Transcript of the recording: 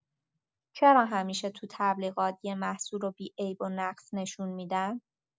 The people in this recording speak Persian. چرا همیشه توی تبلیغات یه محصول رو بی‌عیب‌ونقص نشون می‌دن؟